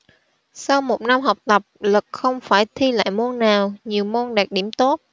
sau một năm học tập lực không phải thi lại môn nào nhiều môn đạt điểm tốt